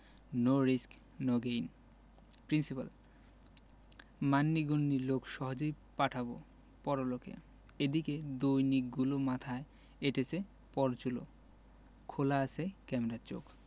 no risk no gain principal মান্যিগন্যি লোক সহজেই পাঠাবো পরলোকে এদিকে দৈনিকগুলো মাথায় এঁটেছে পরচুলো খোলা আছে ক্যামেরার চোখ